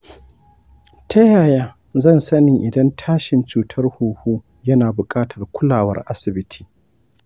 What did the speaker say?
ta yaya zan sani idan tashin cutar huhu yana buƙatar kulawar asibiti?